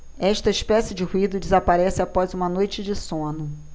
esta espécie de ruído desaparece após uma noite de sono